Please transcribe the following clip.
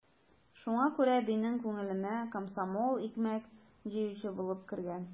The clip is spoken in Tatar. Шуңа күрә әбинең күңеленә комсомол икмәк җыючы булып кергән.